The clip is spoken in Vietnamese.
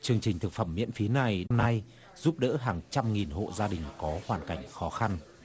chương trình thực phẩm miễn phí này nay giúp đỡ hàng trăm nghìn hộ gia đình có hoàn cảnh khó khăn